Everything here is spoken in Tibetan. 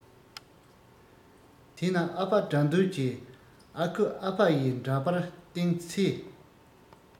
དེ ན ཨ ཕ དགྲ འདུལ གྱི ཨ ཁུ ཨ ཕ ཡི འདྲ པར སྟེང ཚེ